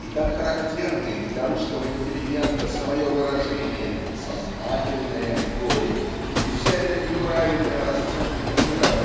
И так характерны для русского интеллигента самое выражение "сознательное горе" и вся эта неправильная расценка мира